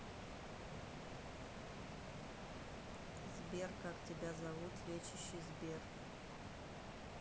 сбер как тебя зовут лечащий сбер